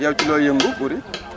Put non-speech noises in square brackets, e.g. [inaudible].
yow ci [noise] looy yëngu Boury